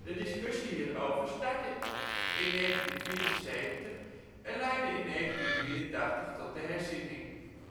De discussie hierover startte in 1974 en leidde in 1983 tot de herziening,